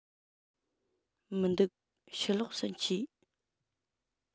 མི འདུག ཕྱི ལོགས སུ མཆིས